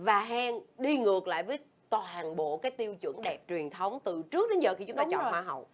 và hen đi ngược lại với toàn bộ cái tiêu chuẩn đẹp truyền thống từ trước đến giờ khi chúng ta chọn hoa hậu